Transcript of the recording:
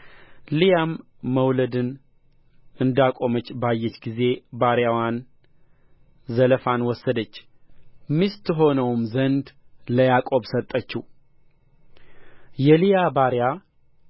ልያም መውለድን እንዳቆመች ባየች ጊዜ ባሪያዋን ዘለፋን ወሰደች ሚስት ትሆነውም ዘንድ ለያዕቆብ ሰጠችው የልያ ባሪያ